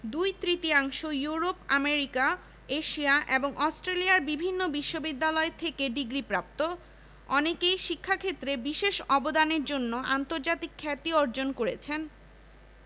দুই তৃতীয়াংশ Europe America Asia এবং অস্ট্রেলিয়ার বিভিন্ন বিশ্ববিদ্যালয় থেকে ডিগ্রিপ্রাপ্ত অনেকেই শিক্ষাক্ষেত্রে বিশেষ অবদানের জন্য আন্তর্জাতিক খ্যাতি অর্জন করেছেন